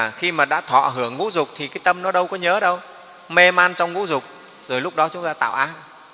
khi mà đã thọ hưởng ngũ dục thì cái tâm đâu có nhớ đâu mê man trong ngũ dục rồi lúc đó chúng ta tạo ác